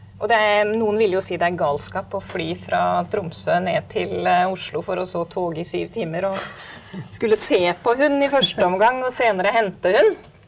og det noen vil jo si det er galskap å fly fra Tromsø ned til Oslo for å så toge i syv timer og skulle se på hund i første omgang og senere hente hund.